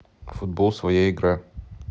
футбол своя игра